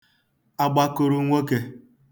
agbakụrụnwokē